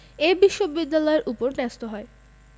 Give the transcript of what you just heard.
এ বিশ্ববিদ্যালয়ের ওপর ন্যস্ত হয়